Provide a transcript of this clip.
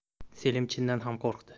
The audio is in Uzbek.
selim chindan ham qo'rqdi